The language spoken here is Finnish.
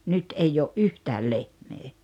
nyt ei ole yhtään lehmää